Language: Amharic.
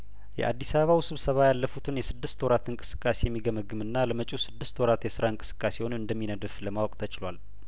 የአዲስ አበባው ስብሰባ ያለፉትን የስድስት ወራት እንቅስቃሴ የሚገመግምና ለመጪው ስድስት ወራት የስራ እንቅስቃሴውን እንደሚነድፍ ለማወቅ ተችሏል